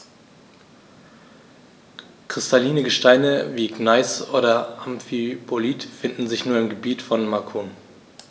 Kristalline Gesteine wie Gneis oder Amphibolit finden sich nur im Gebiet von Macun.